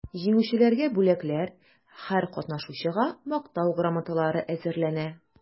Җиңүчеләргә бүләкләр, һәр катнашучыга мактау грамоталары әзерләнә.